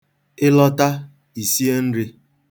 Ị lọta, i sie nri.